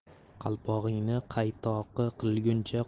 qalpog'ingni qaytoqi qilguncha